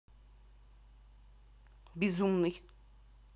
безумный